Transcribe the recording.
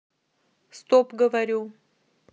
стоп говорю